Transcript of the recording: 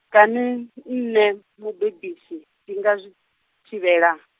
kani, nṋe, mubebisi, ndi nga zwi, thivhela?